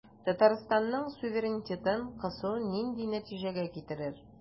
Татарстанның суверенитетын кысу нинди нәтиҗәгә китерер?